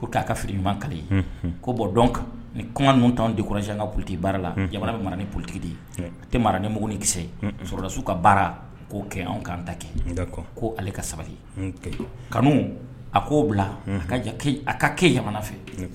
Ko k'a ka fɲumankale ko bɔ dɔn kan ni kɔntɔn dek kɔrɔsijanan ka purutigi baara la yamana bɛ mara ni ptigi de ye a tɛ mara nim ni kisɛ sɔrɔladasiw ka baara k'o kɛ anw kanan ta kɛ ko ale ka sabali kanu a k'o bila a ka ke a ka kɛmana fɛ